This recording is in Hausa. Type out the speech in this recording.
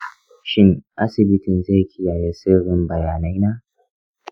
shin asibitin zai kiyaye sirrin bayanaina?